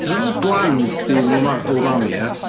So, jyst bland 'di mwma- umami ia.